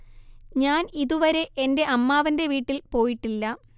ഞാൻ ഇതുവരെ എന്റെ അമ്മാവന്റെ വീട്ടിൽ പോയിട്ടില്ല